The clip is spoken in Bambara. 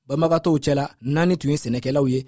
banbagatɔw cɛla naani tun ye sɛnɛkɛlaw ye